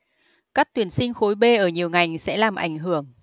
cắt tuyển sinh khối b ở nhiều ngành sẽ làm ảnh hưởng